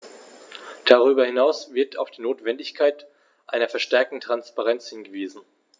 Darüber hinaus wird auf die Notwendigkeit einer verstärkten Transparenz hingewiesen.